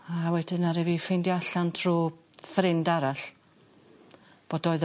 A wedyn aru fi ffeindio allan trw ffrind arall bod oedd y...